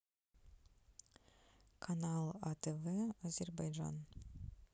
канал атв азербайджан